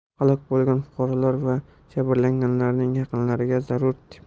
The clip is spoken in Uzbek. halok bo'lgan fuqarolar va jabrlanganlarning yaqinlariga